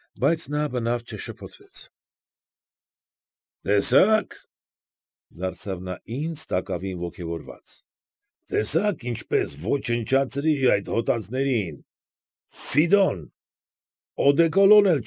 Բայց նա բնավ չշփոթվեց։ ֊ Տեսա՞ք,֊ դարձավ նա ինձ, տակավին ոգևորված,֊ տեսա՞ք ինչպես ոչնչացրի այդ հոտածներին. ֆիդոն, օդեկալոն էլ։